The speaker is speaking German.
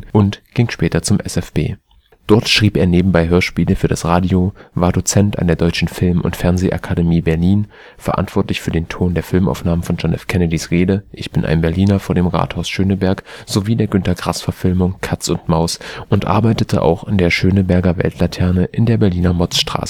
ging später zum SFB. Dort schrieb er nebenbei Hörspiele für das Radio, war Dozent an der Deutschen Film - und Fernsehakademie Berlin, verantwortlich für den Ton der Filmaufnahme von John F. Kennedys Rede Ich bin ein Berliner vor dem Rathaus Schöneberg sowie der Günter-Grass-Verfilmung Katz und Maus und arbeitete auch in der Schöneberger Weltlaterne in der Berliner Motzstraße